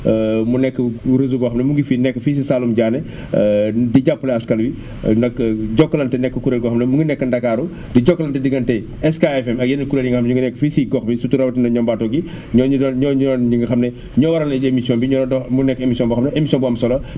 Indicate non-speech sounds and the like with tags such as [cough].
[hesitation] mu nekk réseau boo xam ne mu ngi fi nekk fii si Saalum Diané [inhales] [hesitation] di jàppale askan wi nag Jokalante nekk kuréel goo xam ne mu ngi nekk ndakaaru [inhales] di jokkalante diggante SK FM ak yeneen kuréel yi nga xam ne ñu ngi nekk fii si gox bi rawatina ñombaato gi [noise] ñooñu doon ñooy ñi nga xam ne ñoo waral émission bi ñoo tax mu nekk émission boo xam ne émission bu am solo la [inhales]